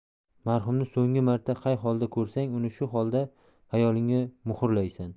marhumni so'nggi marta qay holda ko'rsang uni shu holda xayolingga muhrlaysan